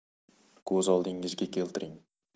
ko'z oldingizga keltiring